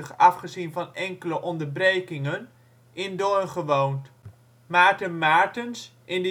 afgezien van enkele onderbrekingen) in Doorn gewoond. Maarten Maartens, in